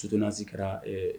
Suonsi kɛra